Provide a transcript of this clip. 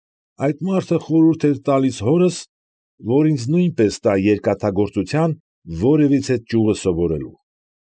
Այդ մարդը խորհուրդ էր տալիս հորս, որ ինձ նույնպես տա երկաթագործության որևիցե ճյուղը սովորելու։